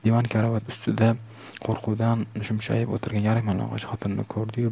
divan karavot ustida qo'rquvdan shumshayib o'tirgan yarim yalang'och xotinni ko'rdi yu